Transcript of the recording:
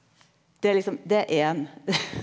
det er liksom det er éin .